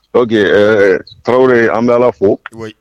Ok ɛɛ Traoré an bɛ Ala fo oui